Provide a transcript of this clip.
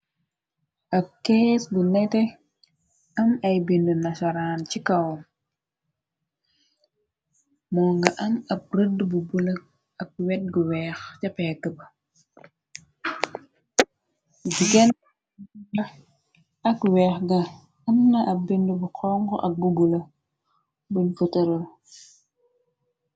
Ak kees gu nete, am ay bind nasaraan ci kawom, moo nga an ab rëdd bu bulak, ak wet gu weex ca pek b, digenn dila ak weex ga ën na ab bind bu xong ak guggula, buñ butërël.